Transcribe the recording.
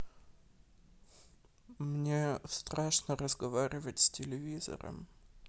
мне страшно разговаривать с телевизором